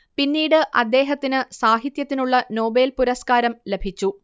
പിന്നീട് അദ്ദേഹത്തിനു സാഹിത്യത്തിനുള്ള നോബേൽ പുരസ്കാരം ലഭിച്ചു